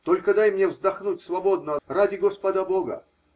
только дай мне вздохнуть свободно, ради Господа Бога!